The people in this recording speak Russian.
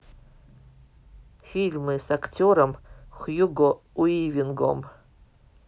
фильмы с актером хьюго уивингом